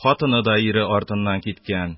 Хатыны да ире артыннан киткән.